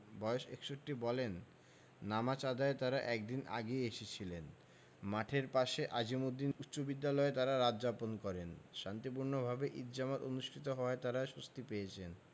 বয়স ৬১ বলেন নামাজ আদায়ে তাঁরা এক দিন আগেই এসেছিলেন মাঠের পাশে আজিমুদ্দিন উচ্চবিদ্যালয়ে তাঁরা রাত যাপন করেন শান্তিপূর্ণভাবে ঈদ জামাত অনুষ্ঠিত হওয়ায় তাঁরা স্বস্তি পেয়েছেন